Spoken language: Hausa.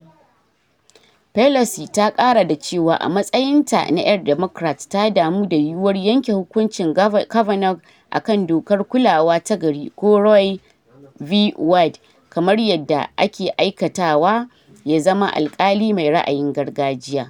Pelosi ta kara da cewa a matsayin ta na yar Democrat ta damu da yiwuwar yanke hukuncin Kavanaugh akan Dokar Kulawa tagari ko Roe v. Wade, Kamar yadda ake alkintawa ya zama alkali mai ra’ayin gargajiya.